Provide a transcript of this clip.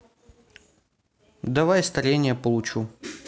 давай старение получу